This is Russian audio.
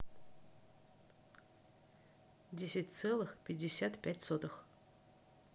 десять целых пятьдесят пять сотых